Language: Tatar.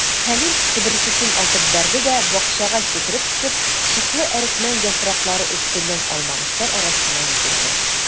Хәлим, себеркесен атып бәрде дә, бакчага сикереп төшеп, чыклы әрекмән яфраклары өстеннән алмагачлар арасына йөгерде.